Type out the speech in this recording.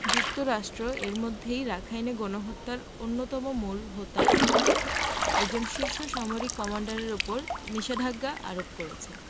যুক্তরাষ্ট্র এরই মধ্যে রাখাইনে গণহত্যার অন্যতম মূল হোতা এক শীর্ষ সামরিক কমান্ডারের ওপর নিষেধাজ্ঞা আরোপ করেছে